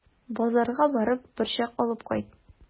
Базарга барып, борчак алып кайт.